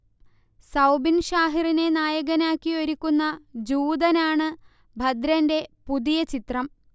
സൗബിൻ ഷാഹിറിനെ നായകനാക്കി ഒരുക്കുന്ന ജൂതനാണ് ദഭ്രന്റെ പുതിയ ചിത്രം